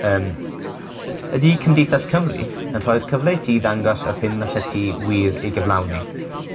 Yym. Ydi cymdeithas Cymru yn rhoi'r cyfle i ti i ddangos yr hyn allet ti wir ei gyflawni?